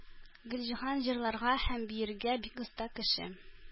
Гөлҗиһан җырларга һәм биергә бик оста кеше.